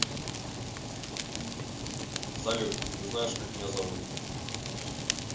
салют ты знаешь как меня зовут